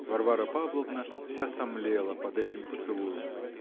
Варвара Павловна вся сомлела под этим поцелуем.